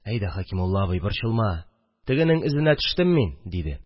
– әйдә, хәкимулла абый, борчылма, тегенең эзенә төштем мин, – диде